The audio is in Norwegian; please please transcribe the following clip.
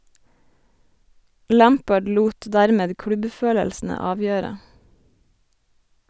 Lampard lot dermed klubbfølelsene avgjøre.